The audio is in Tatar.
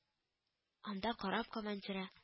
Анда кораб командиры